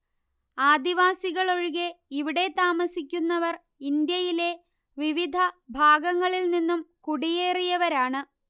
ആദിവാസികൾ ഒഴികെ ഇവിടെ താമസിക്കുന്നവർ ഇന്ത്യയിലെ വിവിധ ഭാഗങ്ങളില് നിന്നും കുടിയേറിയവരാണ്